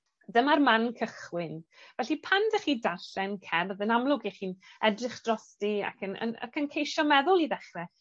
Dyma'r man cychwyn felly pan dych chi darllen cerdd yn amlwg 'ych chi'n edrych drosti ac yn yn ac yn ceisio meddwl i ddechre